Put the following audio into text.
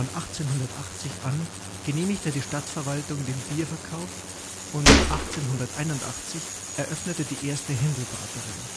1880 an genehmigte die Stadtverwaltung den Bierverkauf und 1881 eröffnete die erste Hendlbraterei